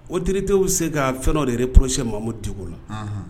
autorités bi se ka fɛndɔw de reprocher Mamude Diko la.